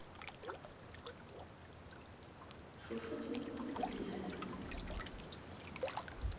Շուշուտ մի կողմ գցի հլը։